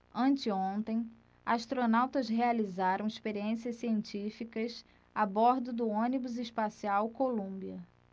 anteontem astronautas realizaram experiências científicas a bordo do ônibus espacial columbia